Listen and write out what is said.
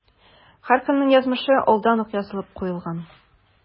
Һәркемнең язмышы алдан ук язылып куелган.